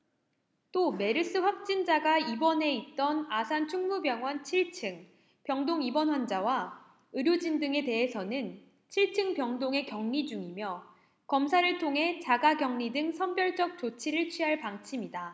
또 메르스 확진자가 입원해 있던 아산충무병원 칠 층 병동 입원 환자와 의료진 등에 대해서는 칠 층 병동에 격리중이며 검사를 통해 자가 격리 등 선별적 조치를 취할 방침이다